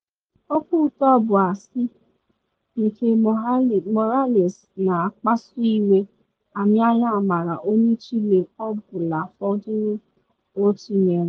Okwu ụtọ bụ asị nke Morales na akpasu iwe amịala amara onye Chile ọ bụla fọdụrụ, ọ tụnyere.